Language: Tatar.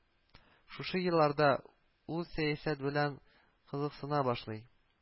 Шушы елларда ул сәясәт белән кызыксына башлый